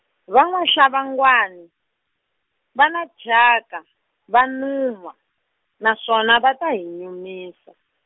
va N'wa-Hlabangwani, va na thyaka, va nunhwa, naswona va ta hi nyumisa.